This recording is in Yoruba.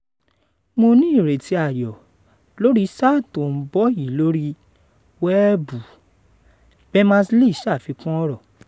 "Mó ní ìrétí ayọ lórí sáà tó ń bọ̀ yìí lórí wẹ́ẹ̀bù,” Bermers-Lee ṣàfikún ọ̀rọ̀.